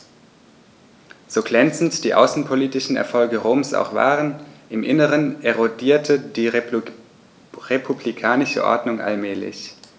So glänzend die außenpolitischen Erfolge Roms auch waren: Im Inneren erodierte die republikanische Ordnung allmählich.